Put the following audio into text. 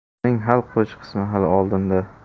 uning hal qiluvchi qismi hali oldinda